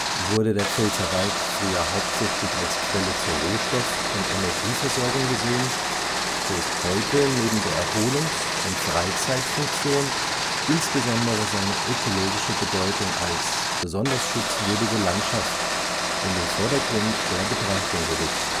Wurde der Pfälzerwald früher hauptsächlich als Quelle zur Rohstoff - und Energieversorgung gesehen, so ist heute neben der Erholungs - und Freizeitfunktion insbesondere seine ökologische Bedeutung als „ besonders schutzwürdige Landschaft “in den Vordergrund der Betrachtung gerückt